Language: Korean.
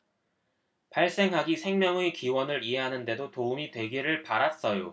발생학이 생명의 기원을 이해하는 데도 도움이 되기를 바랐어요